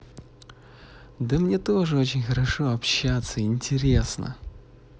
да мне тоже очень хорошо общаться интересно